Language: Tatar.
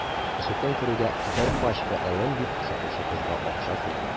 Ишектән керүгә: – Бер пачка «LM»,– дип, сатучы кызга акча сузды.